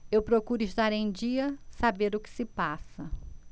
eu procuro estar em dia saber o que se passa